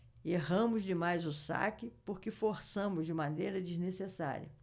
erramos demais o saque porque forçamos de maneira desnecessária